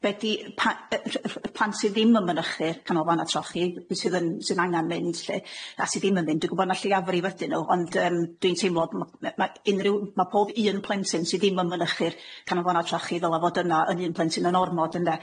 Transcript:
be 'di pa- yy rh- rh- y plant sydd ddim yn mynychu'r Canolfanna Trochi sydd yn sydd angan mynd lly a sydd ddim yn mynd dwi gwbod na lleiafrif ydyn nhw ond yym dwi'n teimlo ma' ma' unryw ma' pob un plentyn sydd ddim yn mynychu'r Canolfanna Trochi ddyla fod yno yn un plentyn yn ormod ynde?